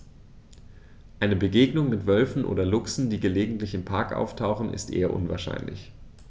Eine Begegnung mit Wölfen oder Luchsen, die gelegentlich im Park auftauchen, ist eher unwahrscheinlich.